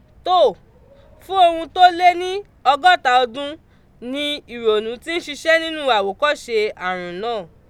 Tóò, fún ohun tó lé ní ọgọ́ta ọdún ni ìrònú ti ń ṣiṣẹ́ nínú àwòkọ́ṣe àrùn náà.